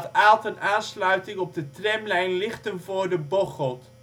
Aalten aansluiting op de Tramlijn Lichtenvoorde - Bocholt